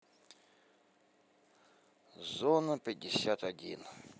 зона пятьдесят один